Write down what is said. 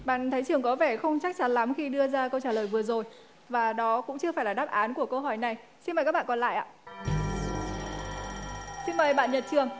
bạn thái trường có vẻ không chắc chắn lắm khi đưa ra câu trả lời vừa rồi và đó cũng chưa phải là đáp án của câu hỏi này xin mời các bạn còn lại ạ xin mời bạn nhật trường